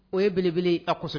O ye beleb a kɔsɔ